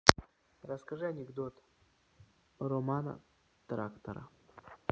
расскажи анекдот романа трактора